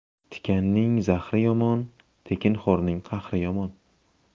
tikanning zahri yomon tekinxo'rning qahri yomon